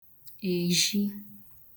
èzhi